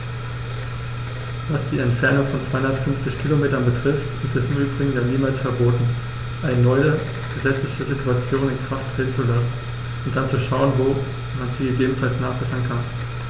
Was die Entfernung von 250 Kilometern betrifft, ist es im Übrigen ja niemals verboten, eine neue gesetzliche Situation in Kraft treten zu lassen und dann zu schauen, wo man sie gegebenenfalls nachbessern kann.